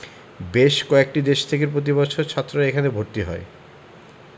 বেশ কয়েকটি দেশ থেকে প্রতি বছর ছাত্ররা এখানে ভর্তি হয়